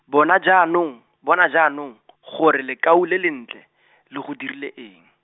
bona jaanong, bona jaanong , gore lekau le le ntle , le go dirile eng.